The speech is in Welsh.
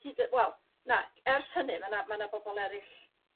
hyd y... Wel, na, ers hynny ma' 'na ma' 'na bobol eryll